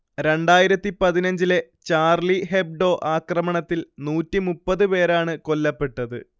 രണ്ടായിരത്തിപ്പതിനഞ്ചിലെ Charlie Hebdo ആക്രമണത്തിൽ നൂറ്റിമുപ്പത്‌ പേരാണ് കൊല്ലപ്പെട്ടത്